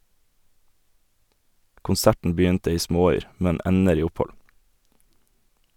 Konserten begynte i småyr , men ender i opphold.